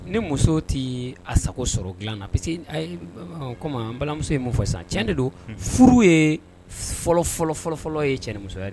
Ne muso tɛ a sago sɔrɔ dila na parce que o, n balimamuso ye mun fɔ sisan tiɲɛ de don furu ye fɔlɔ fɔlɔ fɔlɔ ye cɛn nimusoya de ye.